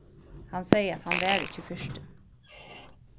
hann segði at hann var ikki firtin